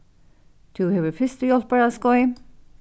tú hevur fyrstuhjálparskeið